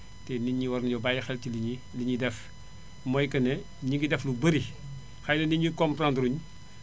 te nit ñi war nañu bàyyi xel ci li ñiy li ñiy def mooy que ne ñi ngi def lu bari xëy na nit ñu komparanduru ñu